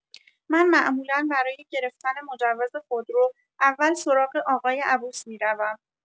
من معمولا برای گرفتن مجوز خودرو اول سراغ آقای عبوس می‌روم.